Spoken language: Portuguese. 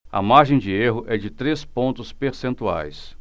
a margem de erro é de três pontos percentuais